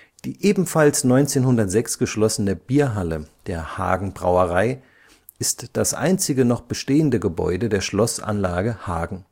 Die ebenfalls 1906 geschlossene Bierhalle der Hagen-Brauerei ist das einzige noch bestehende Gebäude der Schlossanlage Hagen